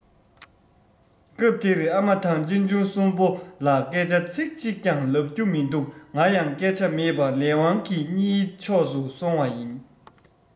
སྐབས དེར ཨ མ དང གཅེན གཅུང གསུམ པོ ལ སྐད ཆ ཚིག གཅིག ཀྱང ལབ རྒྱུ མི འདུག ང ཡང སྐད ཆ མེད པར ལས དབང གི རྙིའི ཕྱོགས སུ སོང བ ཡིན